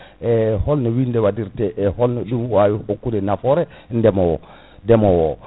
e holno winnde waɗirte e holno ɗum wawi hokkude nafoore e ndeema o deemowo o